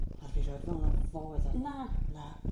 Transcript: Aru fi rioed me'wl na'm fo oedd o. Na. Na.